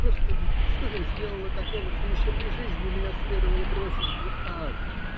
Господи, что я сделала такого, что еще при жизни меня следовало бросить в ад?